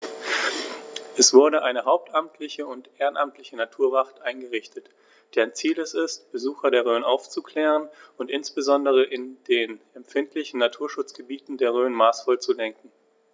Es wurde eine hauptamtliche und ehrenamtliche Naturwacht eingerichtet, deren Ziel es ist, Besucher der Rhön aufzuklären und insbesondere in den empfindlichen Naturschutzgebieten der Rhön maßvoll zu lenken.